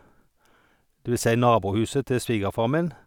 Det vil si nabohuset til svigerfar min.